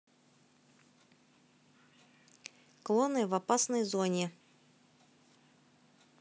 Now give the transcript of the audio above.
клоны в опасной зоне